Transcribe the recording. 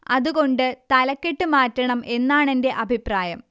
അതുകൊണ്ട് തലക്കെട്ട് മാറ്റണം എന്നാണെന്റെ അഭിപ്രായം